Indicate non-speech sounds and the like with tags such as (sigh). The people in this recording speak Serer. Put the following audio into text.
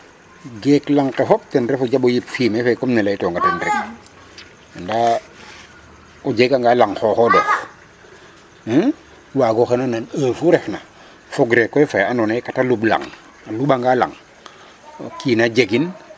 Geek lang ke fop ten refu jaɓ o yip fumier fe comme ne laytoongaa o ten rek (crosstalk) ndaa o jegangaa lang xooxoodof (hesitation) waago xendanan heure fu refna fogree koy fo xe andna yee kata luɓ lang o luɓangaa lang o kiin a jegin.